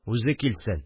Үзе килсен